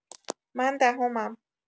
من دهمم